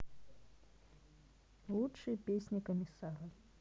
лучшие песни комиссара